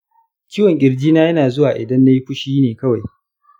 ciwon ƙirji na yana zuwa idan nayi fushi ne kawai.